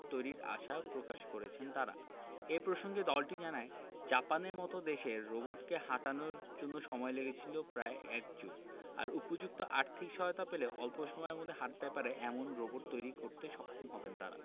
তৈরির আশা প্রকাশ করেছেন তারা এ প্রসঙ্গে দলটি জানায় জাপানের মতো দেশে রোবটকে হাঁটানোর জন্য সময় লেগেছিল প্রায় এক যুগ আর উপযুক্ত আর্থিক সহায়তা পেলে অল্প সময়ের মধ্যেই হাঁটতে পারে এমন রোবট তৈরি করতে সক্ষম হবেন তারা